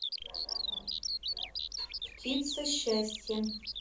птица счастья